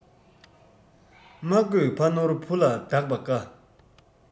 མ བཀོད ཕ ནོར བུ ལ བདག པ དཀའ